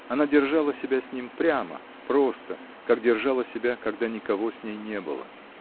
Она держала себя с ним прямо, просто, как держала себя, когда никого с ней не было.